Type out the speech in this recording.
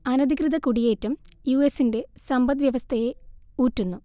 അനധികൃത കുടിയേറ്റം യു എസിന്റെ സമ്പദ് വ്യവസ്ഥയെ ഊറ്റുന്നു